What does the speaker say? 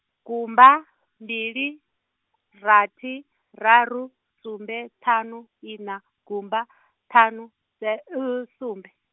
gumba, mbili, rathi, raru sumbe ṱhanu ina gumba , ṱhanu z- , sumbe.